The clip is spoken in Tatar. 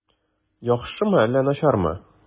Яхшымы әллә начармы?